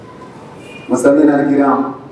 Masa kɛ yan